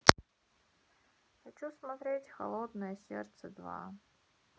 хочу смотреть холодное сердце два